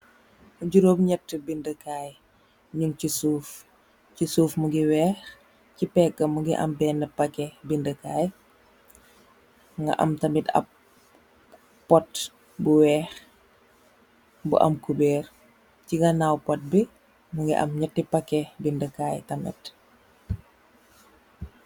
Jurom ñetti bindi kai ñing ci suuf, ci suuf mugii wèèx ci pega mugii am benna paket bindi kay nga am tamit ap pot bu wèèx bu am kuberr. Ci ganaw pot bi mugii am ñetti paket bindi kay tamid.